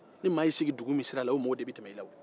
ni maa y'i sigi dugu min sira la o maa de bɛ tɛmɛ i la